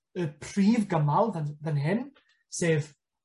y prif gymal fan fan hyn, sef